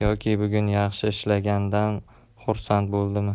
yoki bugun yaxshi ishlaganidan xursand bo'ldimi